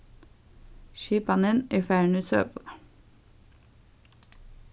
skipanin er farin í søguna